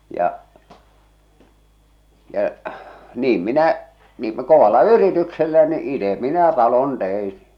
ja ja niin minä niin - kovalla yrityksellä niin itse minä talon tein